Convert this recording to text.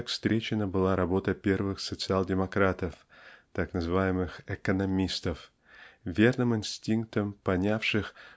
как встречена была работа первых социал-демократов так называемых "экономистов" верны инстинктом понявших